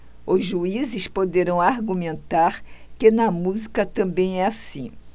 os juízes poderão argumentar que na música também é assim